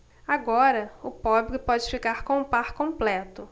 agora o pobre pode ficar com o par completo